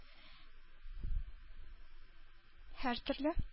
Һәртөрле